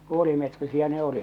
puolimetrisiä ne olivat